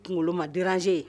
Kunkolo ma dransee ye